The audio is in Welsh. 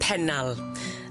Pennal.